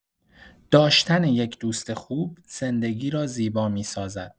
داشتن یک دوست خوب، زندگی را زیبا می‌سازد.